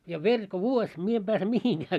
ja veri kun vuosi minä en pääse mihinkään